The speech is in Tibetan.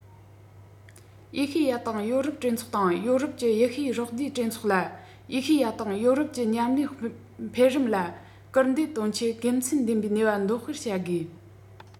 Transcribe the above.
ཨེ ཤེ ཡ དང ཡོ རོབ གྲོས ཚོགས དང ཡོ རོབ ཀྱི དབྱི ཧུའེ རོགས ཟླའི གྲོས ཚོགས ལ ཨེ ཤེ ཡ དང ཡོ རོབ ཀྱི མཉམ ལས འཕེལ རིམ ལ སྐུལ འདེད གཏོང ཆེད དགེ མཚན ལྡན པའི ནུས པ འདོན སྤེལ བྱ དགོས